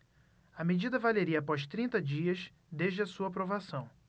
a medida valeria após trinta dias desde a sua aprovação